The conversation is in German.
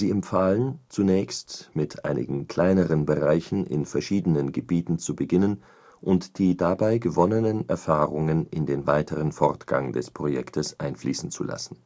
empfahlen, zunächst mit einigen kleineren Bereichen in verschiedenen Gebieten zu beginnen, und die dabei gewonnenen Erfahrungen in den weiteren Fortgang des Projektes einfließen zu lassen